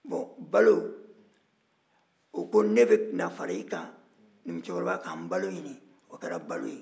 bon balo o ko ne bɛ fara i kan ka n balo ɲini